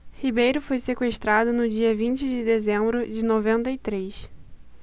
ribeiro foi sequestrado no dia vinte de dezembro de noventa e três